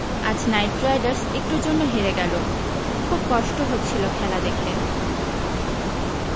আজ Knight Riders একটুর জন্য হেরে গেল খুব কষ্ট হচ্ছিল খেলা দেখে